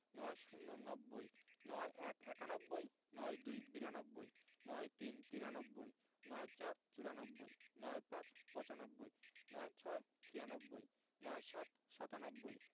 ৯০ - নব্বই ৯১ - একানব্বই ৯২ - বিরানব্বই ৯৩ - তিরানব্বই ৯৪ – চুরানব্বই ৯৫ - পচানব্বই ৯৬ - ছিয়ানব্বই ৯৭ – সাতানব্বই